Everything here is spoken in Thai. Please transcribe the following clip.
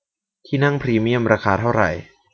ที่นั่งพรีเมี่ยมราคาเท่าไหร่